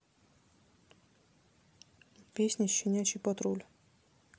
песня щенячий патруль